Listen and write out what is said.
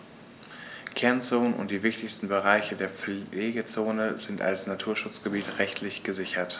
Kernzonen und die wichtigsten Bereiche der Pflegezone sind als Naturschutzgebiete rechtlich gesichert.